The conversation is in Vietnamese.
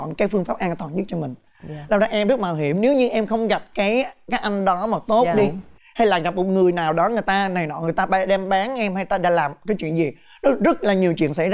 cái phương pháp an toàn nhất cho mình nên đó em rất mạo hiểm nếu như em không gặp cái cái anh đó mà tốt đi hay là gặp một người nào đó người ta này nọ người ta bay đem bán em hay ta đem làm cái chuyện gì nó rất là nhiều chuyện xảy ra